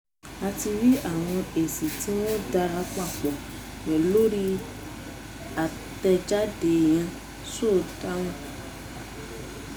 A ti rí àwọn èsì tí wọ́n dára púpọ̀ lórí àtẹ̀jáde yẹn," Sow dáhùn.